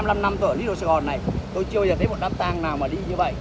lăm năm tôi ở lít tô sài gòn này tôi chưa bao giờ thấy một đám tang nào mà đi như vậy